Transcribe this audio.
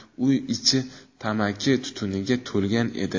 uy ichi tamaki tutuniga to'lgan edi